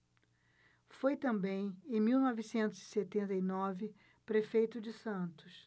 foi também em mil novecentos e setenta e nove prefeito de santos